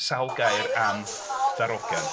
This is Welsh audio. Sawl gair am ddarogan.